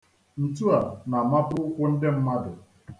Ntu a na-amapu ụkwụ ndị mmadụ.